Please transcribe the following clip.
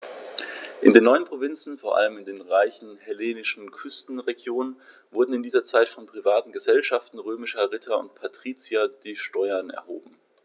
In den neuen Provinzen, vor allem in den reichen hellenistischen Küstenregionen, wurden in dieser Zeit von privaten „Gesellschaften“ römischer Ritter und Patrizier die Steuern erhoben.